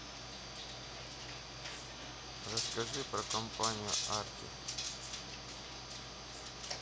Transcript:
расскажи про компанию артари